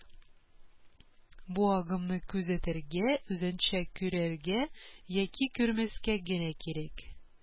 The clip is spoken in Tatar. Бу агымны күзәтергә, үзеңчә күрергә, яки күрмәскә генә кирәк